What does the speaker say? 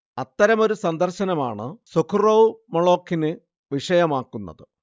അത്തരമൊരു സന്ദർശനമാണ് സൊഖുറോവ് 'മൊളോഖി'ന് വിഷയമാക്കുന്നത്